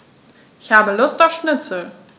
Ich habe Lust auf Schnitzel.